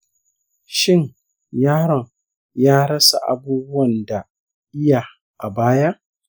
shin yaron ya rasa abubuwan da iya a baya?